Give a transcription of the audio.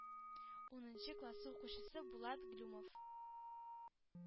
Унынчы классы укучысы булат глюмов,